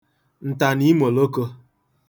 ǹtànìimòlokō